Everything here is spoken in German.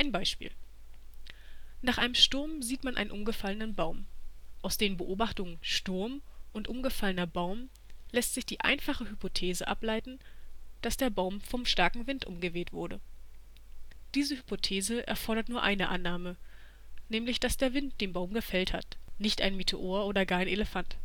Beispiel: Nach einem Sturm sieht man einen umgefallenen Baum. Aus den Beobachtungen „ Sturm “und „ umgefallener Baum “lässt sich die einfache Hypothese ableiten, dass „ der Baum vom starken Wind umgeweht “wurde. Diese Hypothese erfordert nur eine Annahme, nämlich dass der Wind den Baum gefällt hat, nicht ein Meteor oder ein Elefant